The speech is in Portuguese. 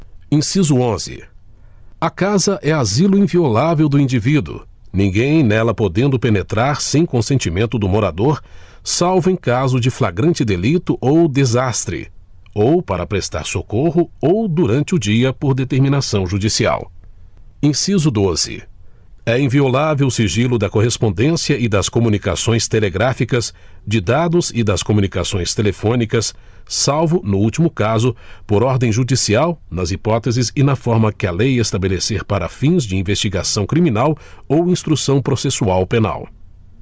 inciso onze a casa é asilo inviolável do indivíduo ninguém nela podendo penetrar sem consentimento do morador salvo em caso de flagrante delito ou desastre ou para prestar socorro ou durante o dia por determinação judicial inciso doze é inviolável o sigilo da correspondência e das comunicações telegráficas de dados e das comunicações telefônicas salvo no último caso por ordem judicial nas hipóteses e na forma que a lei estabelecer para fins de investigação criminal ou instrução processual penal